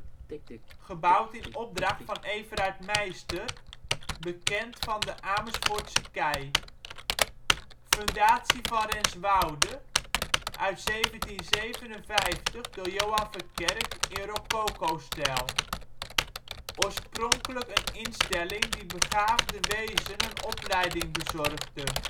Gebouwd in opdracht van Everard Meyster, bekend van de Amersfoortse kei. Fundatie van Renswoude uit 1757 door Johan Verkerk in rococostijl. Oorspronkelijk een instelling die begaafde wezen een opleiding bezorgde